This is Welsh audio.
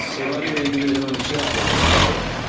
So ma' rhywyn 'di mynd i mewn i siop?... Dim Pidlans chwaith.